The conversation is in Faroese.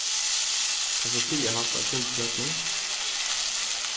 kanst tú siga hatta eitt sindur seinni